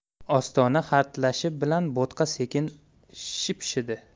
ostona hatlashi bilan bo'tqa sekin shipshidi